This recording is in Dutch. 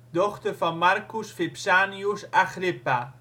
dochter van Marcus Vipsanius Agrippa